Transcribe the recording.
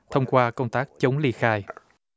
thông qua công tác chống ly khai